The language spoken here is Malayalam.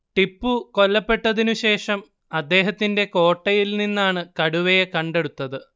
ടിപ്പൂ കൊല്ലപ്പെട്ടതിനുശേഷം അദ്ദേഹത്തിന്റെ കോട്ടയിൽ നിന്നാണ് കടുവയെ കണ്ടെടുത്തത്